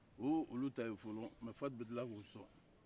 o ye olu ta ye fɔlɔ fati bɛ tila k'o sɔn